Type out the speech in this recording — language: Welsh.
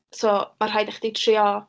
So ma' rhaid i chdi trio.